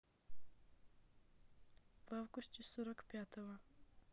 в августе сорок пятого